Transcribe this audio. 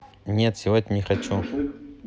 нет сегодня не хочу